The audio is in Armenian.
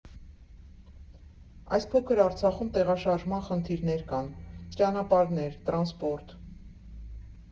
Այս փոքր Արցախում տեղաշարժման խնդիրներ կան՝ ճանապարհներ, տրանսպորտ։